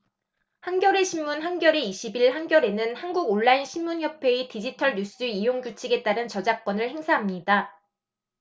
한겨레신문 한겨레 이십 일 한겨레는 한국온라인신문협회의 디지털뉴스이용규칙에 따른 저작권을 행사합니다